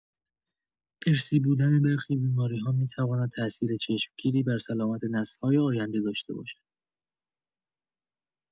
ارثی بودن برخی بیماری‌ها می‌تواند تاثیر چشمگیری بر سلامت نسل‌های آینده داشته باشد.